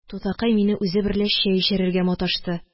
Тутакай мине үзе берлә чәй эчерергә маташты